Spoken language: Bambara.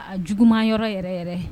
Juguman yɔrɔ yɛrɛ yɛrɛ